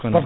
ko non